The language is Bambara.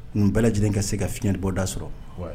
N bɛɛ lajɛlen ka se ka fiɲɛli bɔda sɔrɔ